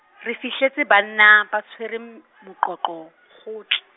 re fihletse banna ba tshwere m-, moqoqo kgotla.